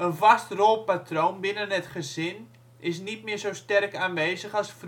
vast rolpatroon binnen het gezin is niet meer zo sterk aanwezig als